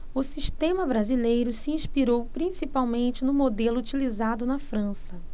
o sistema brasileiro se inspirou principalmente no modelo utilizado na frança